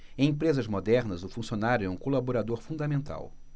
em empresas modernas o funcionário é um colaborador fundamental